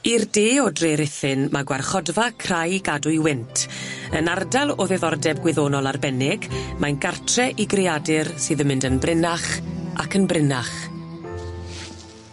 I'r de o Dre Ruthun ma' Gwarchodfa Craig Adwy Wynt yn ardal o ddiddordeb gwyddonol arbennig mae'n gartre i greadur sydd yn mynd yn brinach ac yn brinach.